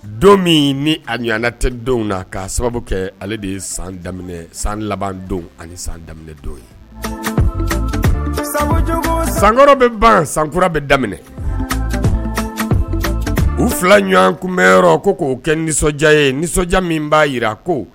Don min ni a ɲ tɛdenw na ka sababu kɛ ale de ye san daminɛ san laban don ani san daminɛ dɔw ye san sankɔrɔ bɛ ban san kura bɛ daminɛ u fila ɲɔgɔn kun bɛyɔrɔ ko k'o kɛ nisɔndiya ye nisɔndiya min b'a jira ko